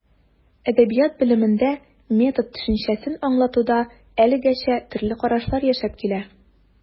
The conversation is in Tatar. Әдәбият белемендә метод төшенчәсен аңлатуда әлегәчә төрле карашлар яшәп килә.